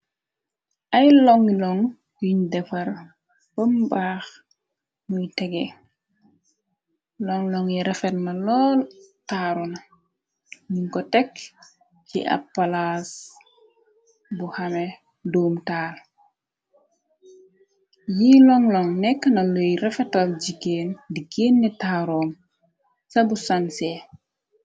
Ay long loŋg yuñ defar bombaax, muy tege, long loŋg yi referme loo taaro na, ñiñ ko tekk ci ab palaas bu xame doom taal, yi long loŋg nekk na luy refetal jikeen, di genne taaroom ca bu sansee.